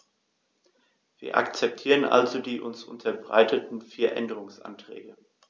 Wir akzeptieren also die uns unterbreiteten vier Änderungsanträge.